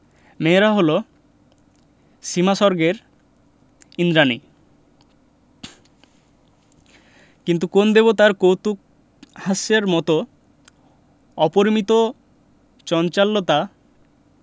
মেয়েরা হল সীমাস্বর্গের ঈন্দ্রাণী কিন্তু কোন দেবতার কৌতূকহাস্যের মত অপরিমিত চঞ্চলতা